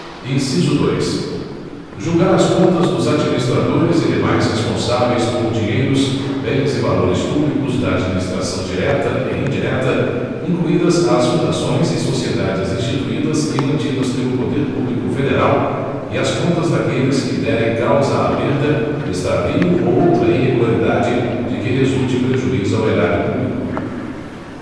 inciso dois julgar as contas dos administradores e demais responsáveis por dinheiros bens e valores públicos da administração direta e indireta incluídas as fundações e sociedades instituídas e mantidas pelo poder público federal e as contas daqueles que derem causa a perda extravio ou outra irregularidade de que resulte prejuízo ao erário público